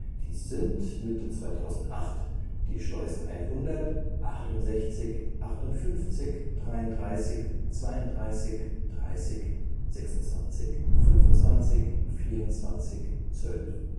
Dies sind momentan (Mitte 2008) die Schleusen 100, 68, 58, 33, 32, 30, 26, 25, 24, 12 und